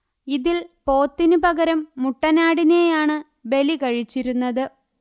ഇതിൽ പോത്തിനു പകരം മുട്ടനാടിനെയാണ് ബലി കഴിച്ചിരുന്നതു്